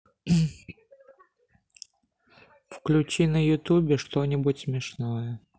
включи на ютубе что нибудь смешное